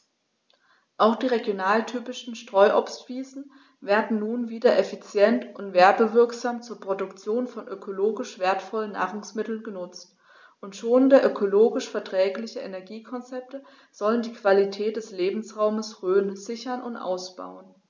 Auch die regionaltypischen Streuobstwiesen werden nun wieder effizient und werbewirksam zur Produktion von ökologisch wertvollen Nahrungsmitteln genutzt, und schonende, ökologisch verträgliche Energiekonzepte sollen die Qualität des Lebensraumes Rhön sichern und ausbauen.